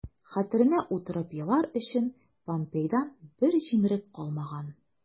Хәтеренә утырып елар өчен помпейдан бер җимерек калмаган...